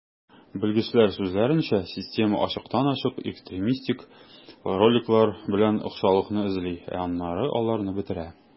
Белгечләр сүзләренчә, система ачыктан-ачык экстремистик роликлар белән охшашлыкны эзли, ә аннары аларны бетерә.